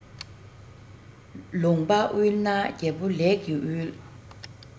ལུང པ དབུལ ན རྒྱལ པོ ལས ཀྱིས དབུལ